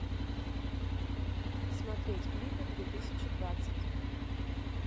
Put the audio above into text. смотреть клипы две тысячи двадцать